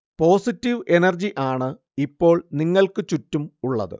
positive energy ആണ് ഇപ്പോൾ നിങ്ങൾക്ക് ചുറ്റുമുള്ളത്